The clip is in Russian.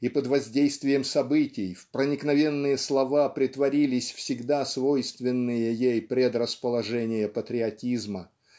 и под воздействием событий в проникновенные слова претворились всегда свойственные ей предрасположения патриотизма